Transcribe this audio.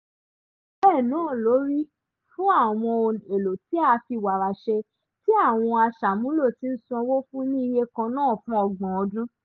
Bẹ́ẹ̀ náà ló rí fún àwọn ohun èlò tí a fi wàrà ṣe, tí àwọn aṣàmúlò ti ń sanwó fún ní iye kan náà fún ọgbọ̀n ọdún.